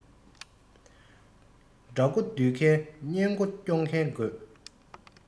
དགྲ མགོ འདུལ མཁན གཉེན མགོ སྐྱོང མཁན དགོས